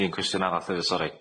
Un un cwestiwn arall efyd sori.